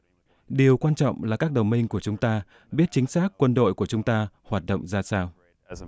điều quan trọng là các đồng minh của chúng ta biết chính xác quân đội của chúng ta hoạt động ra sao